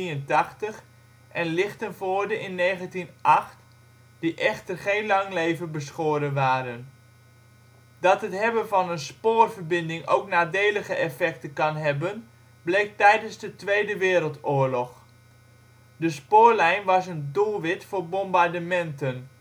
1883) en Lichtenvoorde (1908) die echter geen lang leven beschoren waren. Dat het hebben van een spoorverbinding ook nadelige effecten kan hebben bleek tijdens de Tweede Wereldoorlog. De spoorlijn was een doelwit voor bombardementen